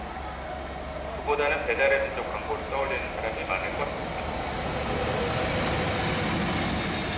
그보다는 배달의민족 광고를 떠올리는 사람이 많을 것 같다